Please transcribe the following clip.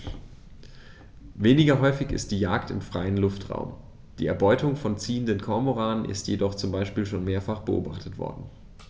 Weniger häufig ist die Jagd im freien Luftraum; die Erbeutung von ziehenden Kormoranen ist jedoch zum Beispiel schon mehrfach beobachtet worden.